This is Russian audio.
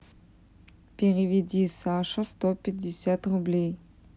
переведи саша сто пятьдесят рублей